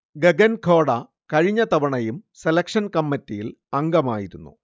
ഗഗൻ ഖോഡ കഴിഞ്ഞ തവണയും സെലക്ഷൻ കമ്മിറ്റിയിൽ അംഗമായിരുന്നു